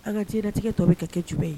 An kati latigɛ tɔw bɛ kɛ kɛcogo ye